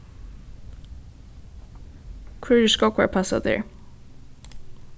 hvørjir skógvar passa tær